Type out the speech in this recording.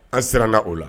An siran na o la